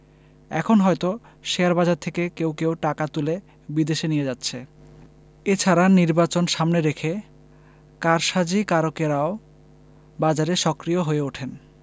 এখন হয়তো শেয়ারবাজার থেকে কেউ কেউ টাকা তুলে বিদেশে নিয়ে যাচ্ছে এ ছাড়া নির্বাচন সামনে রেখে কারসাজিকারকেরাও বাজারে সক্রিয় হয়ে ওঠেন